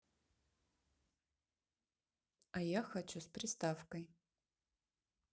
а я хочу с приставкой